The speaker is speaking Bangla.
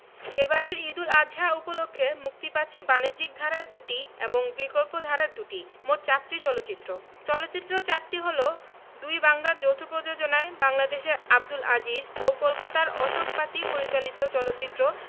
এবারের ঈদ উল আযহা উপলক্ষে মুক্তি পাচ্ছে বাণিজ্যিক ধারার দুটি এবং বিকল্পধারার দুটি মোট চারটি চলচ্চিত্র চলচ্চিত্র চারটি হলো দুই বাংলার যৌথ প্রযোজনায় বাংলাদেশের আবদুল আজিজ ও কলকাতার অশোক পাতি পরিচালিত চলচ্চিত্র